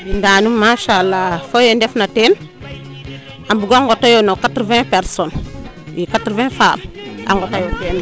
bindaa num machala fo we ndef na teen a mbugo ngoto yo quatre vingt personne quatre vingt femme a ngota yo teen